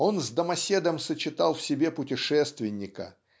он с домоседом сочетал в себе путешественника